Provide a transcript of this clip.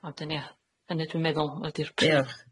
a wedyn ia, hynny dwi'n meddwl ydi'r pri-... Ia.